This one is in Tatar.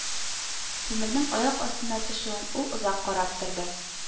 Тимернең аяк астына төшүен ул озак карап торды